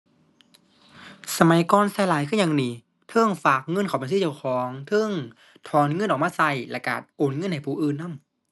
สมัยก่อนใช้หลายคือหยังหนิ เทิงฝากเงินเข้าบัญชีเจ้าของ เทิงถอนเงินออกมาใช้ แล้วใช้โอนเงินให้ผู้อื่นนำ